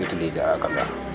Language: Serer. Non nemo utiliser a kangaf.